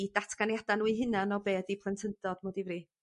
'u datganiada' nhw 'u hunan o be' ydi plentyndod mew' ddifri.